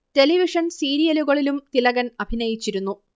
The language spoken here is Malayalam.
ടെലിവിഷൻ സീരിയലുകളിലും തിലകൻ അഭിനയിച്ചിരുന്നു